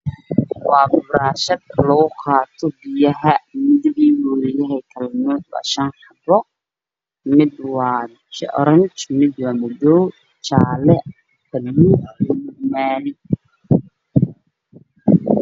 Waa buraashado oo lagu qaatay biyaha midabbiyadooda way kala duwan yihiin waa shan xabbo mid waa madow mid waa guduud ee cagaar iyo jaalo